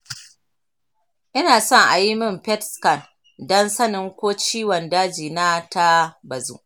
ina son a yi min pet scan don sanin ko ciwon dajina ta bazu.